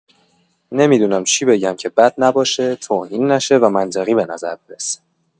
نمی‌دونم چی بگم که بد نباشه، توهین نشه و منطقی بنظر برسه.